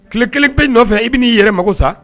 Tile kelen bɛ nɔfɛ i bɛ n'i yɛrɛ mako sa